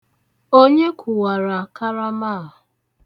Onye kụwara karama a?